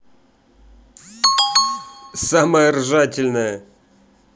самая жрательная